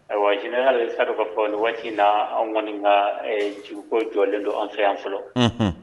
Ayiwa jinɛ y'aale sa dɔ' fɔ ni waati na an kɔni ka jigiko jɔlen don an fɛ yan fɔlɔ